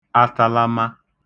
atalama